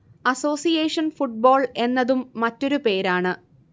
association football എന്നതും മറ്റൊരു പേരാണ്